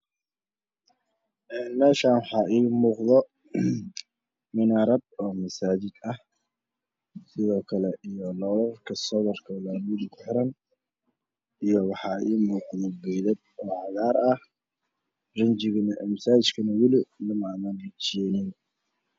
Meshan waxaa iiga mooqdo minaarad oo masaajidah sidookle sabo iyo waxaa iiga muuqdo masaajidkane wali lama riinjiyeen